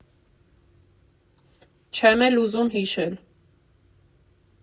Չեմ էլ ուզում հիշել։